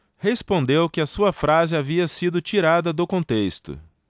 respondeu que a sua frase havia sido tirada do contexto